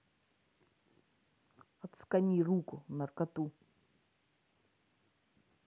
отскани руку наркоту